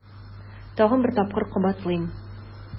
Тагын бер тапкыр кабатлыйм: